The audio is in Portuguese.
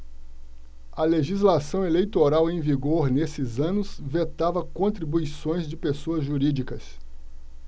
a legislação eleitoral em vigor nesses anos vetava contribuições de pessoas jurídicas